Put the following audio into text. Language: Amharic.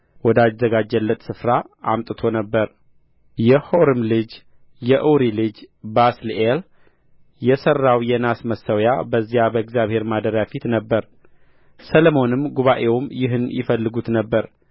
ወዳዘጋጀለት ስፍራ አምጥቶት ነበር የሆርም ልጅ የኡሪ ልጅ ባስልኤል የሠራው የናስ መሠዊያ በዚያ በእግዚአብሔር ማደሪያ ፊት ነበረ ሰሎሞንም ጉባኤውም ይህን ይፈልጉት ነበር